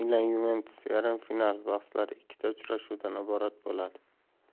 yuventus yarim final bahslari ikkita uchrashuvdan iborat bo'ladi